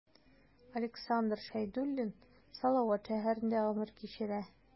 Александр Шәйдуллин Салават шәһәрендә гомер кичерә.